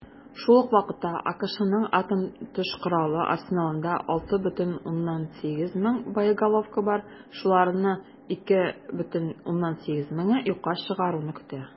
Шул ук вакытта АКШның атом төш коралы арсеналында 6,8 мең боеголовка бар, шуларны 2,8 меңе юкка чыгаруны көтә.